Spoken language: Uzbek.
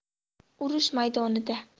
urush maydonida